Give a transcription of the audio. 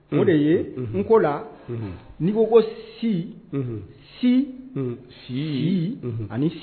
O de ye n ko la n'i ko ko si si sii ani